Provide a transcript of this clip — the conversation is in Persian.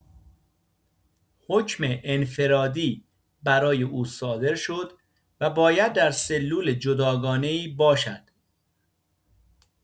حکم انفرادی برای او صادر شد و باید در سلول جداگانه‌ای باشد.